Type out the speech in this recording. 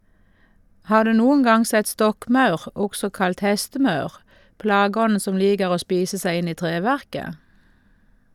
Har du noen gang sett stokkmaur, også kalt hestemaur, plageånden som liker å spise seg inn i treverket?